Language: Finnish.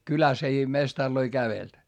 kylässä ei mestareita kävellyt